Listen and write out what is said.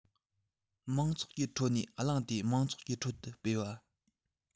མང ཚོགས ཀྱི ཁྲོད ནས བླངས ཏེ མང ཚོགས ཀྱི ཁྲོད དུ སྤེལ བ